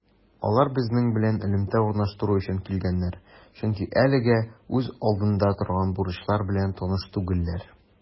Алар безнең белән элемтә урнаштыру өчен килгәннәр, чөнки әлегә үз алдында торган бурычлар белән таныш түгелләр.